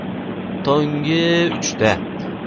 tungi uchda